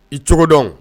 I cogo dɔn.